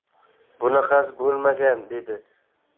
bunaqasi bo'lmagan dedi